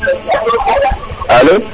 alo